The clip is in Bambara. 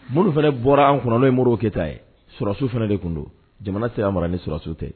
Minnu fana bɔra an kuna n'o ye Moribo Kɛyita ye sɔrɔsi fana de tun don jamana tɛ se ka mara ni sɔrɔsi tɛ